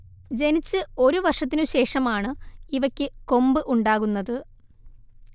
ജനിച്ച് ഒരുവർഷത്തിനുശേഷമാണ് ഇവയ്ക്ക് കൊമ്പ് ഉണ്ടാകുന്നത്